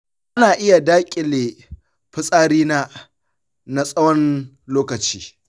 ba na iya daƙile fitsarina na tsawon lokaci.